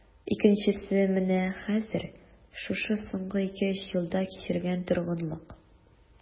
Икенчесе менә хәзер, шушы соңгы ике-өч елда кичергән торгынлык...